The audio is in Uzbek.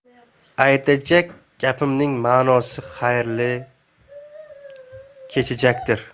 aytajak gapimning ma'nosi xayrli kechajakdir